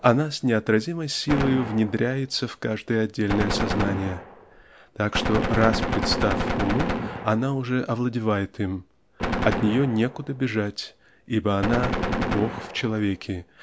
-- она с неотразимой силою внедряется в каждое отдельное сознание так что раз представ уму она уже овладевает им от нее некуда бежать ибо она -- Бог в человеке